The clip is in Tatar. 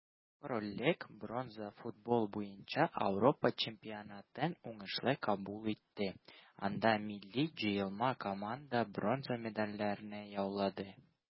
Корольлек бронза футбол буенча Ауропа чемпионатын уңышлы кабул итте, анда милли җыелма команда бронза медальләрне яулады.